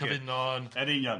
ac yn cyfuno... Yn yn union